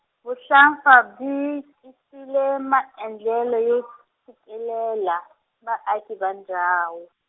vuhlampfa byi, tisile maendlelo yo tshikelela, vaaki va ndhawu.